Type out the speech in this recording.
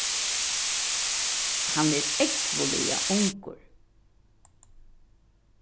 hann er ógvuliga ungur